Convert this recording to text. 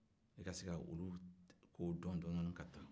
a ka se ka olu dɔn dɔɔni dɔɔni ka taa